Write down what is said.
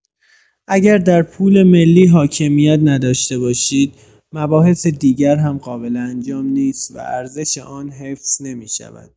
اگر در پول ملی حاکمیت نداشته باشید مباحث دیگر هم قابل انجام نیست و ارزش آن حفظ نمی‌شود.